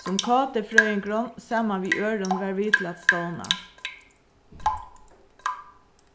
sum kt-frøðingurin saman við øðrum var við til at stovna